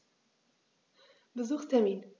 Besuchstermin